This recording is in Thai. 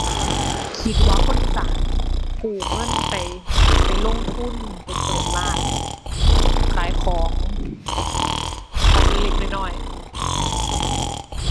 คิดว่าคนอีสานกู้เงินไป ไปลงทุน ไปเปิดร้านขายของ ของเล็กเล็กน้อยน้อย